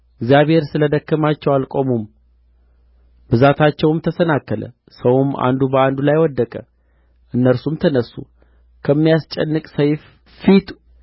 እግዚአብሔር ስላደከማቸው አልቆሙም ብዛታቸውም ተሰናከለ ሰውም አንዱ በአንዱ ላይ ወደቀ እነርሱም ተነሡ ከሚያስጨንቅ ሰይፍ ፊት